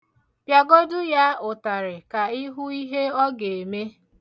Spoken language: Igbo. Pịa godu ya ụtarị ka ị hụ ihe ọ ga-eme.